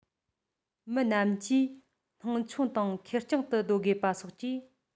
མི རྣམས ཀྱིས སྣང ཆུང དང ཁེར རྐྱང དུ སྡོད དགོས པ སོགས ཀྱིས